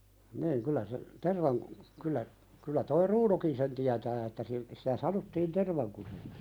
niin kyllä se - kyllä kyllä tuo Runokin sen tietää että - sitä sanottiin tervankuseksi